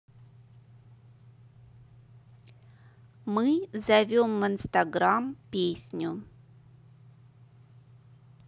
мы зовем в инстаграм песню